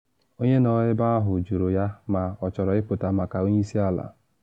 Onye nọ ebe ahụ jụrụ ya ma ọ chọrọ ịpụta maka onye isi ala.